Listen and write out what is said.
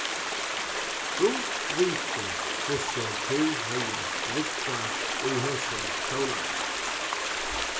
gud viti hvussu tú hevði riggað í hesum kjólanum